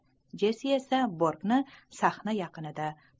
jessi esa borkni sahna yaqinida